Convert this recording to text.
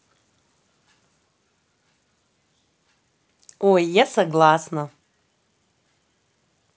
ой я согласна